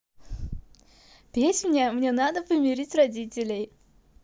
песня мне надо помирить родителей